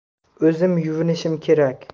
o'zim yuvinishim kerak